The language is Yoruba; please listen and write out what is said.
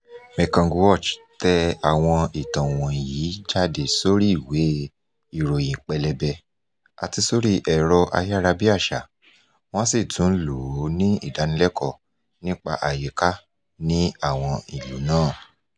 Mekong Watch tẹ àwọn ìtàn wọ̀nyí jáde sórí ìwé ìròyìn pélébé àti sórí ẹ̀rọ ayárabíàṣá, wọ́n sì tún lò ó ní ìdánilẹ́kọ̀ọ́ nípa àyíká ní àwọn ìlú náà.